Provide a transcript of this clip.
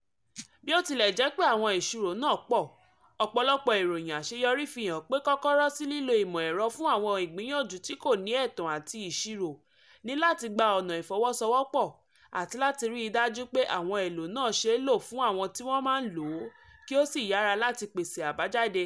Bí ó tilẹ̀ jẹ́ pé àwọn ìṣòro náà pọ̀, ọ̀pọ̀lọpọ̀ ìròyìn àṣeyọrí fi hàn pé kọ́kọ́rọ́ sí lílo ìmọ̀ ẹ̀rọ fún àwọn ìgbìyànjú tí kò ní ẹ̀tàn àti ìṣirò ni láti gba ọ̀nà ìfọwọ́sowọ́pọ̀ àti láti ríi dájú pé àwọn èlò náà ṣe é lò fún àwọn tí wọ́n máa lò ó kí ó sì yára láti pèsè àbájáde.